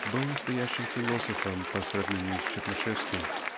был настоящим философом по сравнению с Чернышевским.